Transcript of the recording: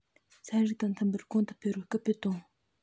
ཚན རིག དང མཐུན པར གོང དུ འཕེལ བར སྐུལ འདེད གཏོང